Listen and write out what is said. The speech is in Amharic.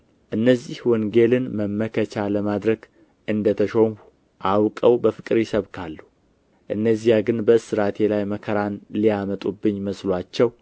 እነዚህ ወንጌልን መመከቻ ለማድረግ እንደ ተሾምሁ አውቀው በፍቅር ይሰብካሉ እነዚያ ግን በእስራቴ ላይ መከራን ሊያመጡብኝ መስሎአቸው